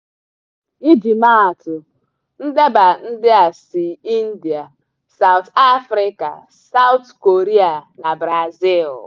Iji maa atụ, ndeba ndị a si India, South Afrịka, South Korea na Brazil.